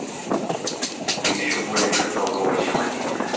ты еще более бестолковая чем алиса